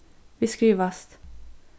vit skrivast